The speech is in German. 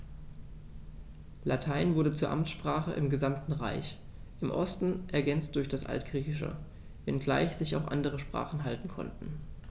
Latein wurde zur Amtssprache im gesamten Reich (im Osten ergänzt durch das Altgriechische), wenngleich sich auch andere Sprachen halten konnten.